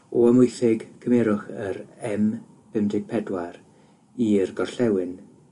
O Amwythig cymerwch yr em bumdeg pedwar i'r gorllewin